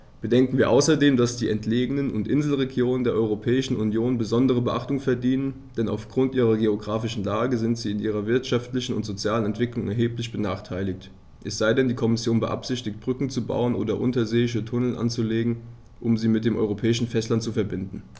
Bedenken wir außerdem, dass die entlegenen und Inselregionen der Europäischen Union besondere Beachtung verdienen, denn auf Grund ihrer geographischen Lage sind sie in ihrer wirtschaftlichen und sozialen Entwicklung erheblich benachteiligt - es sei denn, die Kommission beabsichtigt, Brücken zu bauen oder unterseeische Tunnel anzulegen, um sie mit dem europäischen Festland zu verbinden.